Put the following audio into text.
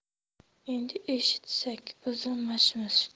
endi eshitsak buzilmasmish